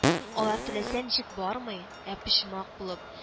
Алар теләсә ничек бармый, ә почмак булып